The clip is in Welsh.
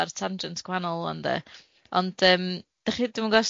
ar tangent gwahanol ŵan 'de, ond yym dach chi- dwi'm yn gwbo